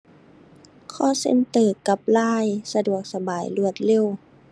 call center กับ LINE สะดวกสบาย รวดเร็ว